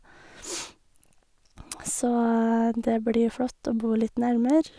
Så det blir flott å bo litt nærmere.